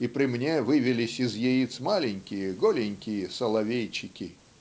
Я при мне вывелись из яиц маленькие голенькие соловейчики.